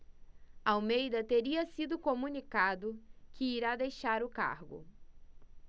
almeida teria sido comunicado que irá deixar o cargo